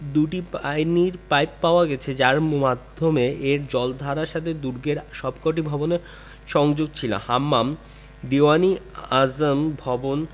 দুটি পানির পাইপ পাওয়া গেছে যার মাধ্যমে এই জলাধারের সাথে দুর্গের সবকটি ভবনের সংযোগ ছিল হাম্মাম দীউয়ান ই আযম ভবন